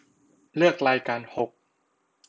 เลือกรายการหก